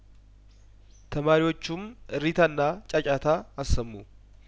ተማሪዎቹም እሪታና ጫጫታ አሰሙ